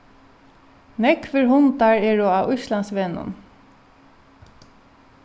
nógvir hundar eru á íslandsvegnum